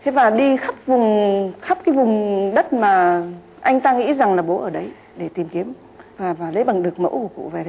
thế mà đi khắp vùng khắp cái vùng đất mà anh ta nghĩ rằng là bố ở đấy để tìm kiếm và lấy bằng được mẫu của cụ về